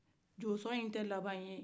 jo sɔn nin tɛ laban ye